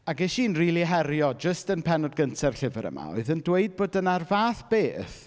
A ges i'n rili herio jyst yn pennod gynta'r llyfr yma oedd yn dweud bod yna'r fath beth...